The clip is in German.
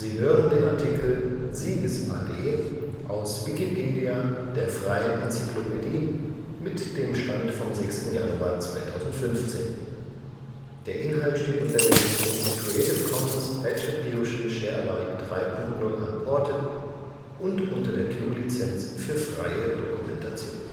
hören den Artikel Siegesallee, aus Wikipedia, der freien Enzyklopädie. Mit dem Stand vom Der Inhalt steht unter der Lizenz Creative Commons Attribution Share Alike 3 Punkt 0 Unported und unter der GNU Lizenz für freie Dokumentation